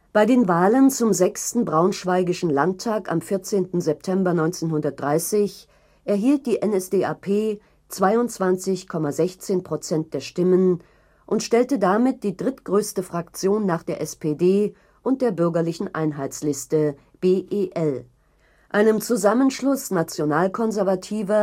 Bei den Wahlen zum 6. Braunschweigischen Landtag am 14. September 1930, erhielt die NSDAP 22,16 % der Stimmen und stellte damit die drittgrößte Fraktion nach der SPD und der Bürgerlichen Einheitsliste (BEL), einem Zusammenschluss nationalkonservativer